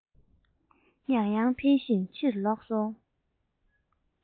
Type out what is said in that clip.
ཡང ཡང འཕེན བཞིན ཕྱིར ལོག སོང